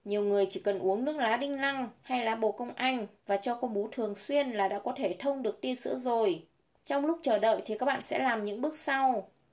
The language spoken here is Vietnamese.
nhiều người chỉ cần uống nước lá đinh lăng hay lá bồ công anh và cho con bú thường xuyên là đã có thể thông được tia sữa rồi trong lúc chờ đợi thì bạn sẽ làm những bước sau